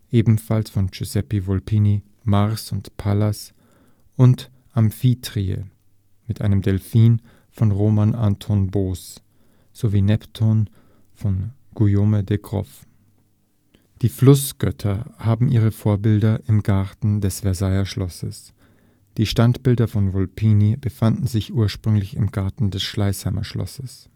ebenfalls von Giuseppe Volpini, Mars und Pallas (beide um 1777) und Amphitrite mit einem Delphin (1775) von Roman Anton Boos, sowie Neptun von Guillaume de Grof (um 1737). Die Flussgötter haben ihre Vorbilder im Garten des Versailler Schlosses. Die Standbilder von Volpini befanden sich ursprünglich im Garten des Schleißheimer Schlosses